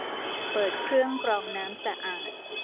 เปิดเครื่องกรองน้ำสะอาด